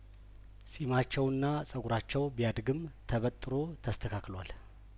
ጺማቸውና ጹጉራቸው ቢያድግም ተበጥሮ ተስተካክሏል